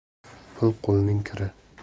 pul qo'lning kiri